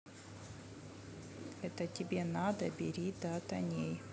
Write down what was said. это тебе надо бери дата ней